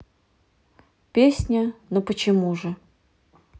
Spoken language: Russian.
песня ну почему же